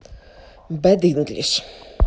bad english